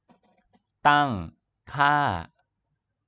ตั้งค่า